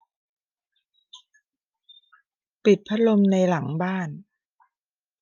ปิดพัดลมในหลังบ้าน